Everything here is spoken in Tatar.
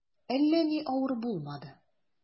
Әллә ни авыр булмады.